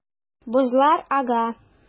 Бозлар ага.